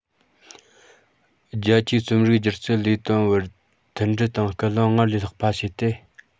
རྒྱ ཆེའི རྩོམ རིག སྒྱུ རྩལ ལས དོན པར མཐུན སྒྲིལ དང སྐུལ སློང སྔར ལས ལྷག པ བྱས ཏེ